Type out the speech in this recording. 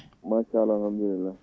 machallah alhamdulillah